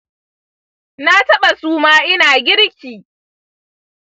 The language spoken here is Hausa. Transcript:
na taba suma ina girki.